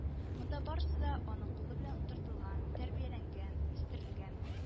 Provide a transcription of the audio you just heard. Монда барысы да аның кулы белән утыртылган, тәрбияләнгән, үстерелгән;